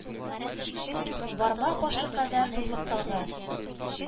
Бармак башы кадәр зурлыктагы